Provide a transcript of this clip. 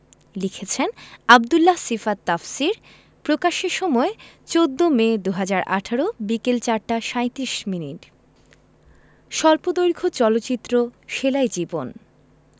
লিখেছেনঃ আব্দুল্লাহ সিফাত তাফসীর প্রকাশের সময় ১৪মে ২০১৮ বিকেল ৪ টা ৩৭ মিনিট স্বল্পদৈর্ঘ্য চলচ্চিত্র সেলাই জীবন